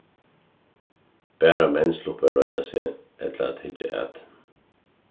bara menn sluppu at royna seg ella at hyggja at